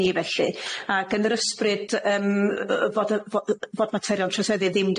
ni felly ag yn yr ysbryd yym fod y fod materion troseddu ddim